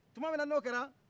tuma min na n'o kɛra